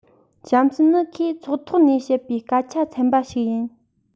གཤམ གསལ ནི ཁོས ཚོགས ཐོག ནས བཤད པའི སྐད ཆ ཚན པ ཞིག ཡིན